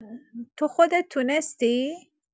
تو خودت تونستی.